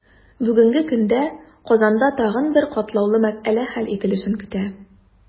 Бүгенге көндә Казанда тагын бер катлаулы мәсьәлә хәл ителешен көтә.